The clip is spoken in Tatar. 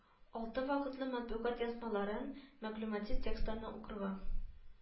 Алты вакытлы матбугат язмаларын, мәгълүмати текстларны укырга